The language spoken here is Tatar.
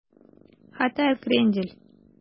Хәтәр крендель